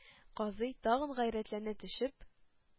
Казый, тагын гайрәтләнә төшеп: